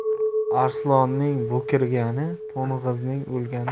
arslonning bo'kirgani to'ng'izning o'lgani